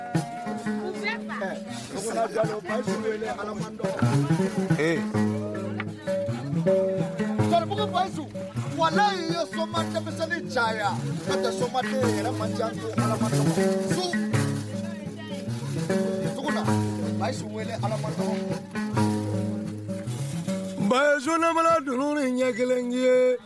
Ɲɛ ye